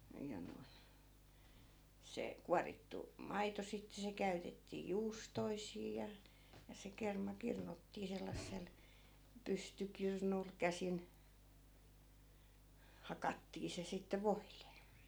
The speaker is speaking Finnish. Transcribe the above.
ja noin se kuorittu maito sitten se käytettiin juustoihin ja ja se kerma kirnuttiin sellaisella pystykirnulla käsin hakattiin se sitten voille